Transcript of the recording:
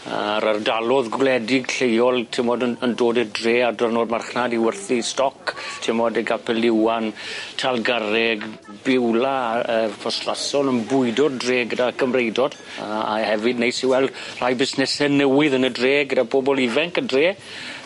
a'r ardalodd gwledig lleol t'mod yn yn dod i'r dre ar diwrnod marchnad i werthu stoc t'mod y Gapel Iwan Talgarreg Biwla a'r yy Ffosglason yn bwydo dre gyda Cymreidod a a hefyd neis i weld rhai busnesne newydd yn y dre gyda pobol ifenc y dre